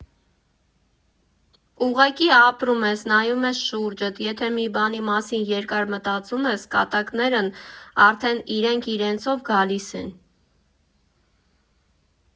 Ուղղակի ապրում ես, նայում շուրջդ, եթե մի բանի մասին երկար մտածում ես, կատակներն արդեն իրենք իրենցով գալիս են։